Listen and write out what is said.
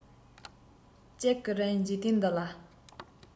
གཅིག གི རིང འཇིག རྟེན འདི ལ